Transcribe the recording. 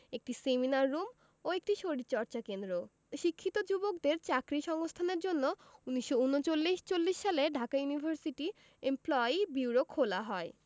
একটি seminar room ও একটি শরীরচর্চা কেন্দ্র শিক্ষিত যুবকদের চাকরির সংস্থানের জন্য ১৯৩৯ ৪০ সালে ঢাকা ইউনিভার্সিটি ইমপ্লয়ি বিউরো খোলা হয়